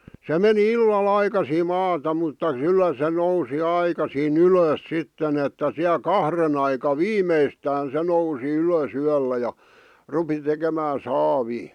se meni illalla aikaisin maata mutta kyllä se nousi aikaisin ylös sitten että siellä kahden aikaan viimeistään se nousi ylös yöllä ja rupesi tekemään saavia